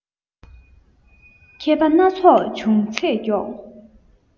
མཁས པ སྣ ཚོགས འབྱུང ཚད མགྱོགས